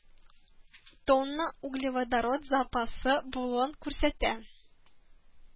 Тонна углеводород запасы булуын күрсәтә